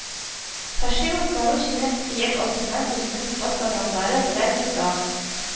Һашимов Марусяның ияк астын үзенең тупас бармаклары белән тота